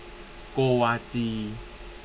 โกวาจี